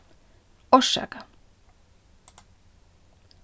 orsaka